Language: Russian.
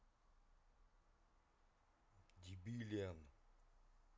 дебилиан